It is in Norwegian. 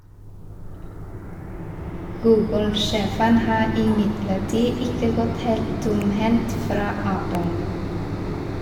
Google-sjefen har imidlertid ikke gått helt tomhendt fra Apple.